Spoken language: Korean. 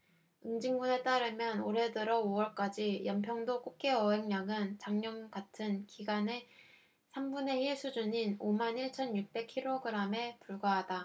옹진군에 따르면 올해 들어 오 월까지 연평도 꽃게 어획량은 작년 같은 기간의 삼 분의 일 수준인 오 만 일 천 육백 킬로그램에 불과하다